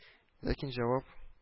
Ләкин җавап